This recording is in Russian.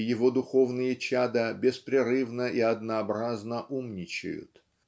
и его духовные чада беспрерывно и однообразно умничают.